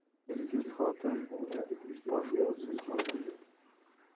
ersiz xotin boshvoqsiz xotin